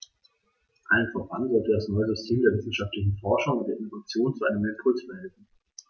Allem voran sollte das neue System der wissenschaftlichen Forschung und der Innovation zu einem Impuls verhelfen.